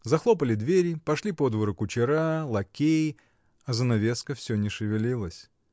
Захлопали двери, пошли по двору кучера, лакеи, а занавеска всё не шевелилась.